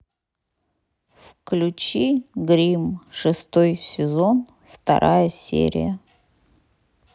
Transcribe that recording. включи гримм шестой сезон вторая серия